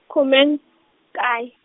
khume, nkaye.